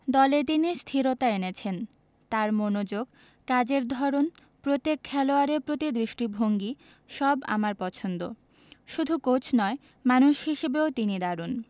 দলে তিনি স্থিরতা এনেছেন তাঁর মনোযোগ কাজের ধরন প্রত্যেক খেলোয়াড়ের প্রতি দৃষ্টিভঙ্গি সব আমার পছন্দ শুধু কোচ নয় মানুষ হিসেবেও তিনি দারুণ